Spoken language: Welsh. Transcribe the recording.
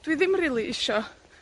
dwi ddim rili isio